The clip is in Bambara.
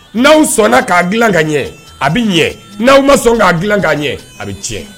N'aw sɔnna k'a dilan ka ɲɛ a bɛ ɲɛ n'aw ma sɔn k'a dilan ka'a ɲɛ a bɛ tiɲɛ